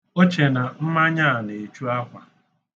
O che na mmanya a na-echu akwa.